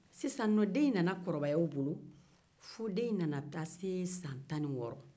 sisan nɔ den in nana kɔrɔbaya u bolo fo den in nana se san tanniwɔɔrɔ